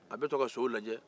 a bɛ to ka sow lajɛ